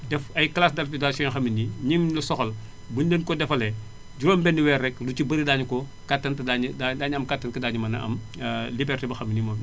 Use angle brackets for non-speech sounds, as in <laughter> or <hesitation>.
def ay classes d' alphabétisation yoo xam ne ni ñooñu mu soxal buñu leen ko defalee juróom benni weer rekk lu ci bari daañu ko kattan te daañu am kattan te daañu mën a am <hesitation> liberté boo xam ne mooy